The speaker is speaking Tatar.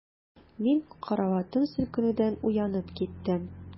Мин караватым селкенүдән уянып киттем.